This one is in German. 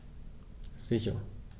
Sicher.